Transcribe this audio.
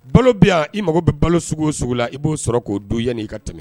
Balo bi i mago bɛ balo sugu o sugu la i b'o sɔrɔ k'o duy i ka tɛmɛ